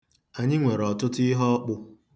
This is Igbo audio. Anyị nwere ọtụtụ ihe ọkpụ.